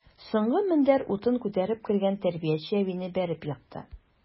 Соңгы мендәр утын күтәреп кергән тәрбияче әбине бәреп екты.